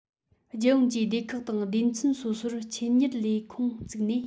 རྒྱལ ཡོངས ཀྱི སྡེ ཁག དང སྡེ ཚན སོ སོར ཆེད གཉེར ལས ཁུངས བཙུགས ནས